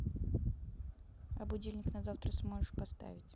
а будильник на завтра сможешь поставить